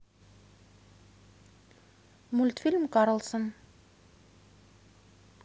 мультфильм карлсон